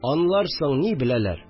Анлар соң ни беләләр